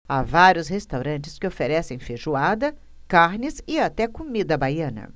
há vários restaurantes que oferecem feijoada carnes e até comida baiana